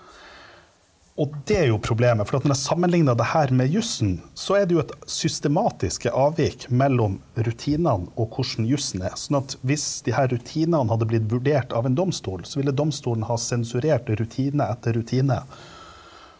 og det er jo problemet, fordi at når jeg sammenligna det her med jussen så er det jo et systematiske avvik mellom rutinene og hvordan jussen er, sånn at hvis de her rutinene hadde blitt vurdert av en domstol så ville domstolen ha sensurert rutine etter rutine.